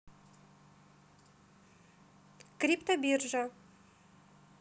криптобиржа